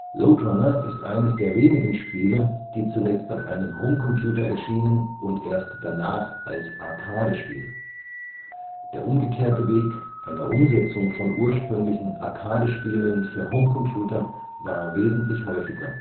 Lode Runner ist eines der wenigen Spiele, die zunächst auf einem Homecomputer erschienen und danach als Arcade-Spiel, der umgekehrte Weg einer Umsetzung von ursprünglichen Arcade-Spielen für Homecomputer war wesentlich häufiger